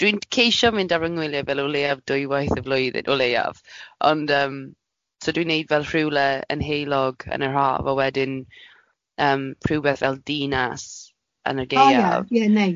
Dwi'n ceisio mynd ar yngwyliau fel o leiaf dwywaith y flwyddyn o leiaf, ond yym so dwi'n wneud fel rhywle yn haelog yn yr haf, a wedyn yym rhywbeth fel dinas yn y gaeaf. O ie, ie, neis.